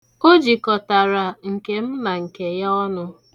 O jikọtara nke m na nke ya ọnụ.